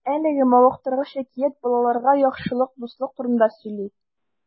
Әлеге мавыктыргыч әкият балаларга яхшылык, дуслык турында сөйли.